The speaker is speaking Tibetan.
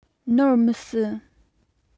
ནོར མི སྲིད